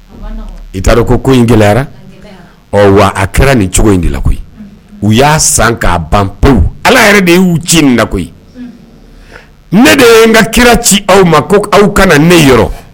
I ko ko in gɛlɛyara a kɛra nin cogo in la u y'a san k'a banp ala yɛrɛ de y'u ci nin la ne de ye n ka kira ci aw ma ko aw ka ne yɔrɔ